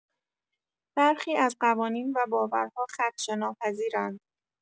برخی از قوانین و باورها خدشه‌ناپذیرند.